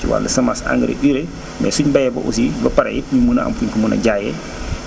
ci wàllu semence engrais urée mais suñ bayee ba aussi ba pare it ñu mën a am fuñ mën a jaayee